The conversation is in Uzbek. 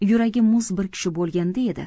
yuragi muz bir kishi bo'lganda edi